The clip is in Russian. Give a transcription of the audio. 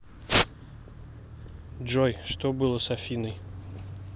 джой что было с афиной